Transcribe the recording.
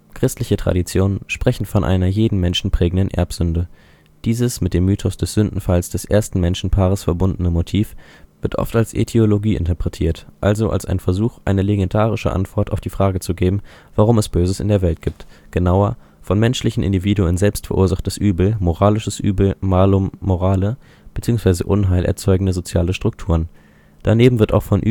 Christliche Traditionen sprechen von einer jeden Menschen prägenden Erbsünde. Dieses mit dem Mythos des Sündenfalls des ersten Menschenpaares verbundene Motiv wird oft als Ätiologie interpretiert, also als ein Versuch, eine legendarische Antwort auf die Frage zu geben, warum es Böses in der Welt gibt, genauer: von menschlichen Individuen selbst verursachtes Übel (moralisches Übel, malum morale) bzw. Unheil erzeugende soziale Strukturen. Daneben wird auch von